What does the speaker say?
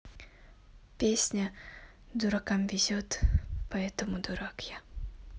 песня дуракам везет поэтому дурак